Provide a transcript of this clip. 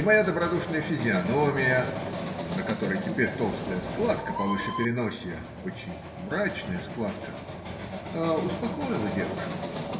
Моя добродушная физиономия (на которой теперь толстая складка повыше переносья, очень мрачная складка) успокоила девушку.